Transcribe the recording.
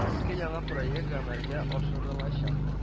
Ике яңа проект гамәлгә ашырылачак